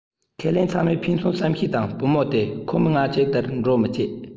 ཁས ལེན ཚང མས ཕན ཚུན བསམ ཤེས དང བུ མོ སྟེ ཁོ མོས ང གཅིག དེར འགྲོ མི བཅད